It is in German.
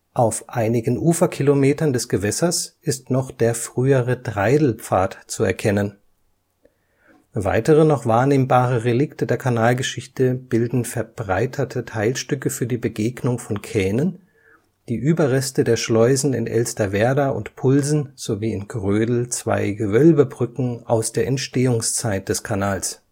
Auf einigen Uferkilometern des Gewässers ist noch der frühere Treidelpfad zu erkennen. Weitere noch wahrnehmbare Relikte der Kanalgeschichte bilden verbreiterte Teilstücke für die Begegnung von Kähnen, die Überreste der Schleusen in Elsterwerda und Pulsen sowie in Grödel zwei Gewölbebrücken aus der Entstehungszeit des Kanals